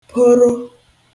poro